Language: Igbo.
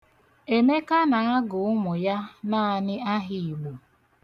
Emeka na-agụ ụmụ ya naanị aha Igbo.